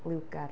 Liwgar.